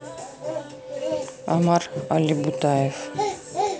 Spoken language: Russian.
омар алибутаев